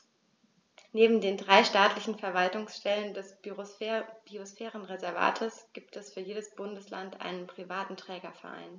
Neben den drei staatlichen Verwaltungsstellen des Biosphärenreservates gibt es für jedes Bundesland einen privaten Trägerverein.